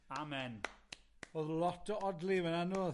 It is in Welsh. Amen. O'dd lot o odli yn fan 'na yndodd?.